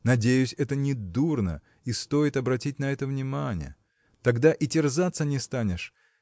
Надеюсь, это не дурно и стоит обратить на это внимание тогда и терзаться не станешь